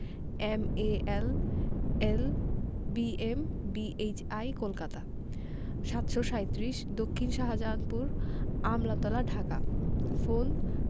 M A L L B M B H I Kolkata ৭৩৭ দক্ষিন Shahjahanpur Amtala Dhaka phone